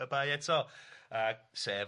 y bai eto a sef